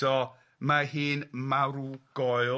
So, mae hi'n marwgoel.